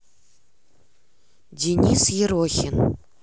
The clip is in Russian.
денис ерохин